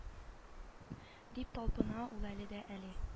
- дип талпына ул әледән-әле